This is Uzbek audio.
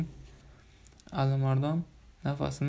alimardon nafasini